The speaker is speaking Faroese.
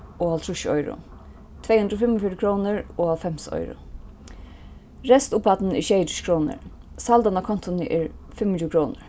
og hálvtrýss oyru tvey hundrað og fimmogfjøruti krónur og hálvfems oyru restupphæddin er sjeyogtrýss krónur saldan á kontuni er fimmogtjúgu krónur